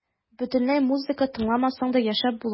Бөтенләй музыка тыңламасаң да яшәп була.